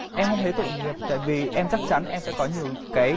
em không thấy tội nghiệp tại vì em chắc chắn em sẽ có nhiều cái